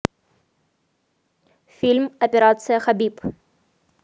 фильм операция хабиб